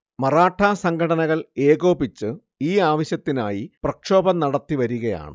മറാഠാ സംഘടനകൾ ഏകോപിച്ച് ഈ ആവശ്യത്തിനായി പ്രക്ഷോഭം നടത്തിവരികയാണ്